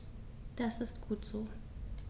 Das ist gut so.